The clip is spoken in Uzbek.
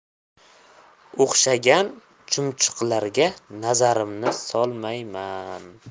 o'xshagan schumchuqlarga nazarimni solmayman